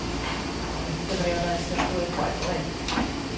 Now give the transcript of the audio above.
ond ew ma' 'na waith dyfrio does ar dywydd poeth fel hyn.